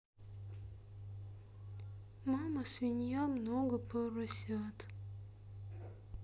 мама свинья много поросят